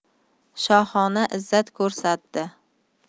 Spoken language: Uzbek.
shohona izzat ko'rsatdi